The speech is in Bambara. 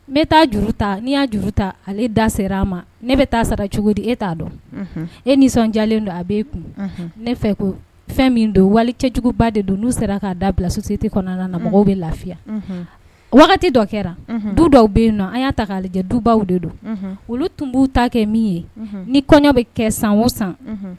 N bɛ taa juru taa juru ta da sera a ma ne bɛ taa sara cogo di e ta dɔn e nisɔndiyalen don a kun ne ko fɛn min don wali cɛjuguba de don n sera k'a da bila susite kɔnɔna na mɔgɔw bɛ lafiya wagati dɔ kɛra du dɔ bɛ yen nɔn an y'a ta'ale lajɛ dubaw de don olu tun b'u ta kɛ min ye ni kɔɲɔ bɛ kɛ san o san